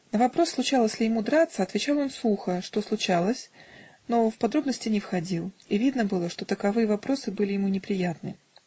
На вопрос, случалось ли ему драться, отвечал он сухо, что случалось, но в подробности не входил, и видно было, что таковые вопросы были ему неприятны.